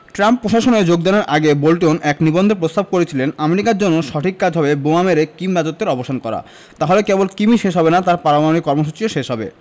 Trump প্রশাসনে যোগদানের আগে বোল্টন এক নিবন্ধে প্রস্তাব করেছিলেন আমেরিকার জন্য সঠিক কাজ হবে বোমা মেরে কিম রাজত্বের অবসান করা তাহলে কেবল কিমই শেষ হবে না তাঁর পারমাণবিক কর্মসূচিও শেষ হবে